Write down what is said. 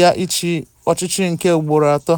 ya ichi ọchịchị nke ugboro atọ.